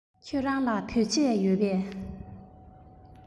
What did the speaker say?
ཁྱེད རང ལ བོད ཆས ཡོད པས